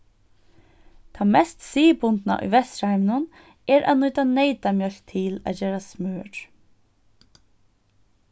tað mest siðbundna í vesturheiminum er at nýta neytamjólk til at gera smør